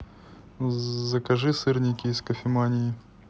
закажи сырники из кофемании